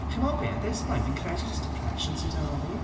Chimod be? At this point fi'n credu jyst depression sy 'da fi.